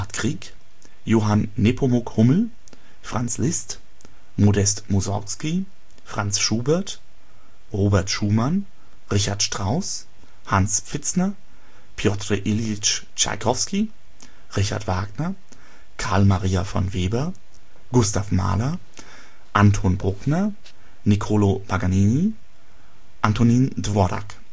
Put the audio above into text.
Grieg, Johann Nepomuk Hummel, Franz Liszt, Modest Mussorgski, Franz Schubert, Robert Schumann, Richard Strauss, Hans Pfitzner, Pjotr Iljitsch Tschaikowski, Richard Wagner, Carl Maria von Weber, Gustav Mahler, Anton Bruckner, Niccolò Paganini, Antonín Dvořák